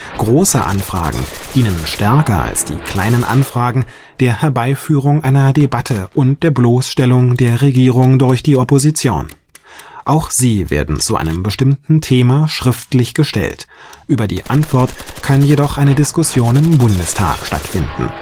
Große Anfragen dienen stärker als die „ Kleinen Anfragen “der Herbeiführung einer Debatte und der Bloßstellung der Regierung durch die Opposition. Auch sie werden zu einem bestimmten Thema schriftlich gestellt, über die Antwort kann jedoch eine Diskussion im Bundestag stattfinden